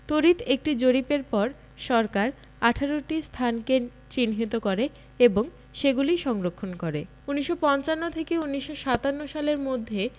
তরিত একটি জরিপের পর সরকার ১৮টি স্থানকে চিহ্নিত করে এবং সেগুলি সংরক্ষণ করে ১৯৫৫ থেকে ১৯৫৭ সালের মধ্যে